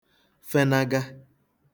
fenaga